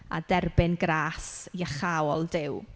A derbyn grâs iachawol Duw.